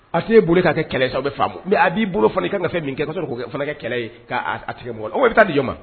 A' bolo' kɛ kɛlɛ sa bɛ mɛ a b'i bolo ka kan kafe min kɛ kakɛ kɛlɛ' a tigɛ mɔgɔ o bɛ taa di ma